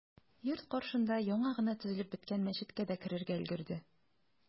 Йорт каршында яңа гына төзелеп беткән мәчеткә дә керергә өлгерде.